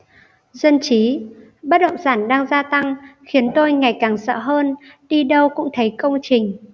dân trí bất động sản đang gia tăng khiến tôi ngày càng sợ hơn đi đâu cũng thấy công trình